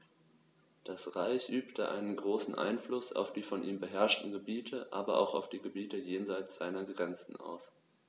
Das Reich übte einen großen Einfluss auf die von ihm beherrschten Gebiete, aber auch auf die Gebiete jenseits seiner Grenzen aus.